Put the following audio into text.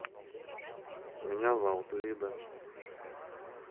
меня зовут лида